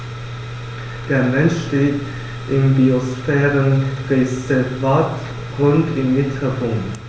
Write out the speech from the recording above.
Der Mensch steht im Biosphärenreservat Rhön im Mittelpunkt.